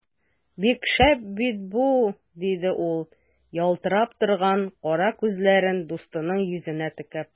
Бик шәп бит бу! - диде ул, ялтырап торган кара күзләрен дустының йөзенә текәп.